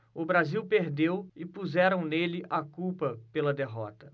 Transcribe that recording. o brasil perdeu e puseram nele a culpa pela derrota